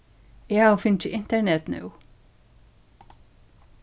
eg havi fingið internet nú